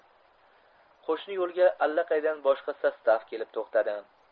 qo'shni yo'lga allaqaydan boshqa sostav kelib to'xtadi